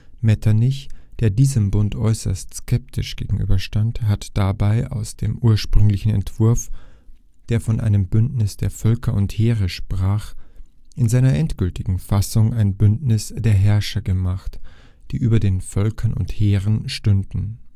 Metternich, der diesem Bund äußerst skeptisch gegenüberstand, hat dabei aus dem ursprünglichen Entwurf, der von einem Bündnis der „ Völker und Heere “sprach, in seiner endgültigen Fassung ein „ Bündnis der Herrscher “gemacht, die über den „ Völkern und Heeren “stünden